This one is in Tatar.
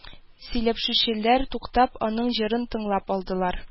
Сөйләпшүчеләр, туктап, аның җырын тыңлап алдылар